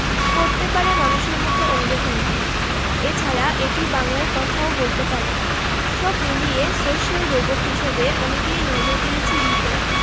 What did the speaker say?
করতে পারে মানুষের মতো অঙ্গভঙ্গি এছাড়া এটি বাংলায় কথাও বলতে পারে সব মিলিয়ে সোশ্যাল রোবট হিসেবে অনেকেরই নজর কেড়েছে রিবো